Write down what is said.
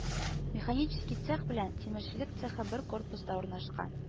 Механический цех белән тимерчелек цехы бер корпуста урнашкан